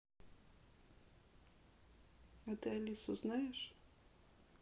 а ты алису знаешь